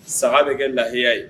Sa bɛ kɛ lahiya ye